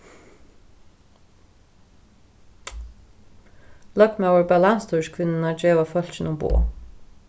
løgmaður bað landsstýriskvinnuna geva fólkinum boð